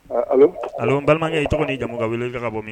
Allo N balimakɛ, i tɔgɔ ni jamu ka weeleli kɛ ka bɔ min?